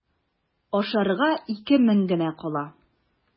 Ашарга ике мең генә кала.